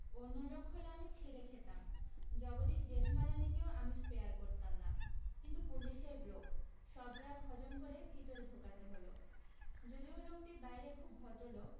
অন্য লোক হলে আমি ছিঁড়ে খেতাম জগদীশ জেঠমালানিকেও আমি স্পেয়ার করতাম না কিন্তু পুলিশের লোক সব রাগ হজম করে ভিতরে ঢোকাতে হলো যদিও লোকটি বাইরে খুব ভদ্রলোক